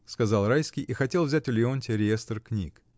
— сказал Райский и хотел взять у Леонтия реестр книг.